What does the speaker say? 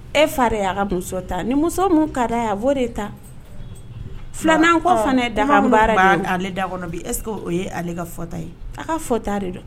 E fa y'a ka muso ta ni muso min ka da a fɔ de ta filanan kɔ fana ale da kɔnɔ eseke o ale ka fɔta ye a ka fɔta de dɔn